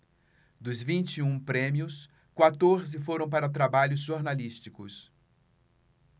dos vinte e um prêmios quatorze foram para trabalhos jornalísticos